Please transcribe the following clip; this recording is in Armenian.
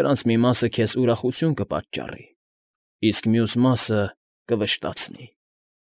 դրանց մի մասը քեզ ուրախություն կպատճառի, իսկ մյուս մասը կվշտացնի։